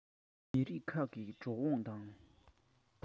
མི རིགས ཁག གི འགྲོ འོང དང